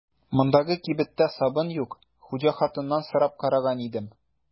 Мондагы кибеттә сабын юк, хуҗа хатыннан сорап караган идем.